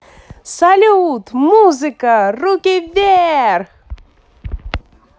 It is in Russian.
салют музыка руки вверх